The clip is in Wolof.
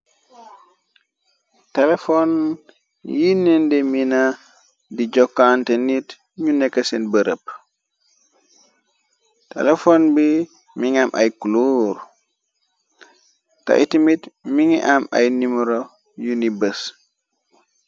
Telefon yi nende mina di jokkanté nit ñu nekk seen bërëb telefon bi mongi am ay kuluur té ittamit mongi am ay numero yunu bos.